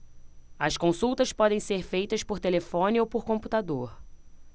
as consultas podem ser feitas por telefone ou por computador